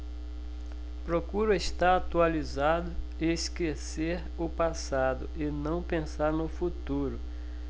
procuro estar atualizado esquecer o passado e não pensar no futuro